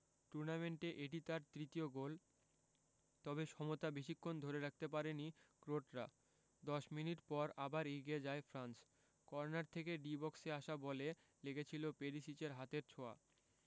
টুর্নামেন্টে এটি তার তৃতীয় গোল তবে সমতা বেশিক্ষণ ধরে রাখতে পারেনি ক্রোটরা ১০ মিনিট পর আবার এগিয়ে যায় ফ্রান্স কর্নার থেকে ডি বক্সে আসা বলে লেগেছিল পেরিসিচের হাতের ছোঁয়া